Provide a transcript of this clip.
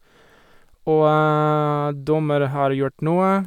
Og dommer har gjort noe.